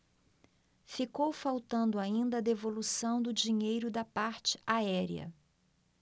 ficou faltando ainda a devolução do dinheiro da parte aérea